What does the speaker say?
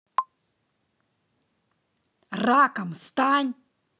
раком стань